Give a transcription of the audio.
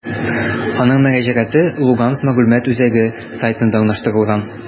Аның мөрәҗәгате «Луганск мәгълүмат үзәге» сайтында урнаштырылган.